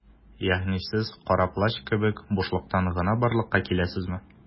Ягъни сез Кара Плащ кебек - бушлыктан гына барлыкка киләсезме?